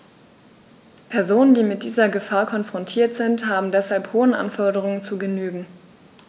Personen, die mit dieser Gefahr konfrontiert sind, haben deshalb hohen Anforderungen zu genügen.